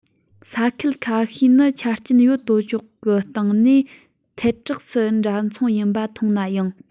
ས ཁུལ ཁ ཤས ནི ཆ རྐྱེན ཡོད དོ ཅོག གི སྟེང ནས ཐལ དྲགས སུ འདྲ མཚུངས ཡིན པ མཐོང ནའང